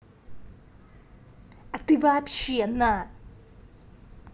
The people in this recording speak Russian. а ты вообще на